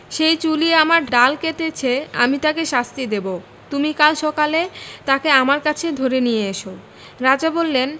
সেই চুলি আমার ডাল কেটেছে আমি তাকে শাস্তি দেব তুমি কাল সকালে তাকে আমার কাছে ধরে নিয়ে এস রাজা বললেন